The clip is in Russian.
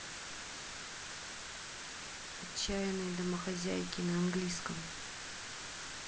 отчаянные домохозяйки на английском